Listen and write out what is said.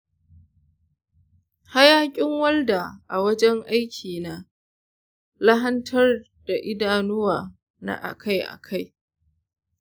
hayaƙin walda a wajen aiki na lahanta idanuwa na akai-akai.